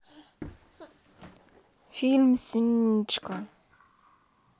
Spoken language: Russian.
фильм синичка